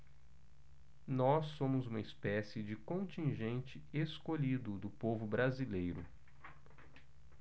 nós somos uma espécie de contingente escolhido do povo brasileiro